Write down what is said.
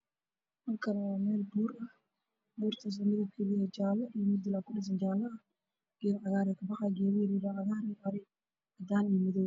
Halkaan waa meel buur ah midabkeedu waa jaale, mudul jaale ah ayaa kashidan, geedo cagaaran ayaa kabaxaayo iyo cadaan iyo madow.